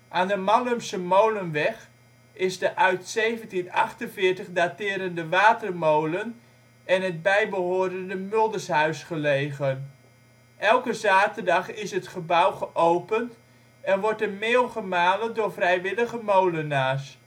Aan de Mallumsche Molenweg is de uit 1748 daterende watermolen en het bijbehorende Muldershuis gelegen. Elke zaterdag is het gebouw geopend en wordt er meel gemalen door vrijwillige molenaars